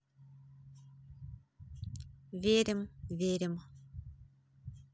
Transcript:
верим верим